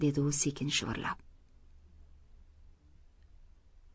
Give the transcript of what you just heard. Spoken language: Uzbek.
dedi u sekin shivirlab